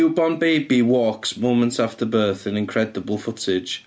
Newborn baby walks moments after birth in incredible footage.